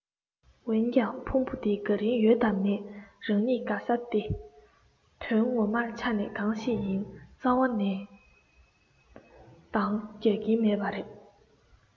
འོན ཀྱང ཕུང པོ འདིར དགའ རིན ཡོད དམ མེད རང ཉིད དགའ ས དེ དོན ངོ མར ཆ ཤས གང ཞིག ཡིན རྩ བ ནས འདང རྒྱག གིན མེད པ རེད